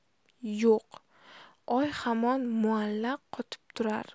yo'q oymomo hamon muallaq qotib turar